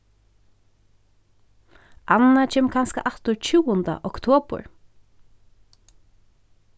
anna kemur kanska aftur tjúgunda oktobur